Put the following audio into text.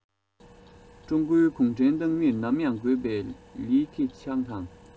ཀྲུང གོའི གུང ཁྲན ཏང མིར ནམ ཡང དགོས པའི ལི ཁེ ཆང དང